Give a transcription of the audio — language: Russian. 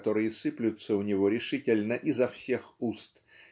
которые сыплются у него решительно изо всех уст